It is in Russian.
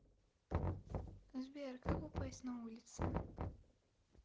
сбер как упасть на улице